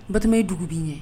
Batɔɔma i dugu b'i ɲɛ